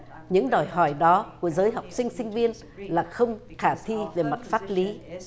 những đòi hỏi đó của giới học sinh sinh viên là không khả thi về mặt pháp lý